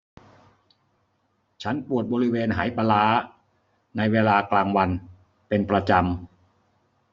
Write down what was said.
ฉันปวดบริเวณไหปลาร้าในเวลากลางวันเป็นประจำ